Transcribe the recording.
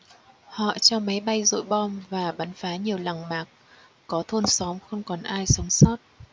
họ cho máy bay dội bom và bắn phá nhiều làng mạc có thôn xóm không còn ai sống sót